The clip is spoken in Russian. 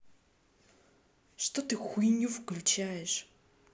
что ты хуйню включаешь